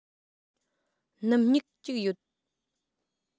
སྣུམ སྨྱུག གཅིག ཡོད